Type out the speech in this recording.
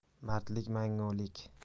mardlik mangulik